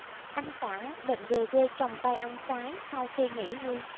anh cả định về quê trồng cây ăn trái sau khi nghỉ hưu